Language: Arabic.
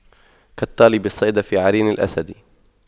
كطالب الصيد في عرين الأسد